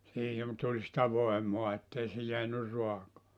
siihen tuli sitä voimaa että ei se jäänyt raakaa